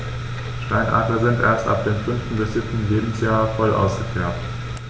Steinadler sind erst ab dem 5. bis 7. Lebensjahr voll ausgefärbt.